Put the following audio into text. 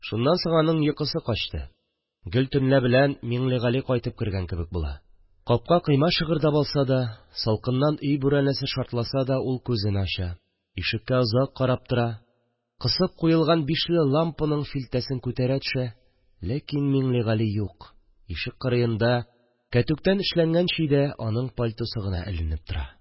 Шуннан соң аның йокысы качты, гел төнлә белән Миңлегали кайтып кергән кебек була: капка-койма шыгырдап алса да, салкыннан өй бүрәнәсе шартласа да ул күзен ача, ишеккә озак карап тора, кысып куелган бишле лампаның филтәсен күтәрә төшә, ләкин Миңлегали юк, ишек кырыенда, кәтүктән эшләнгән чөйдә аның пальтосы гына эленеп тора